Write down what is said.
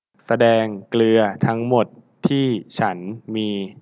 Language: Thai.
แสดงเกลือทั้งหมดที่ฉันมี